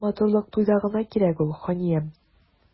Матурлык туйда гына кирәк ул, ханиям.